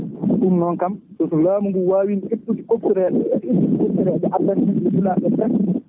ɗum noon kam soko laamu ngu wawino ƴettude copareje addana ɗum *